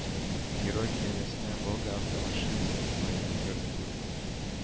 Герой гаиләсенә волга автомашинасы, аерым йорт, дүрт